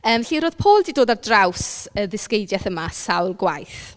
Yym 'lly roedd Paul 'di dod ar draws y ddysgeidiaeth yma sawl gwaith.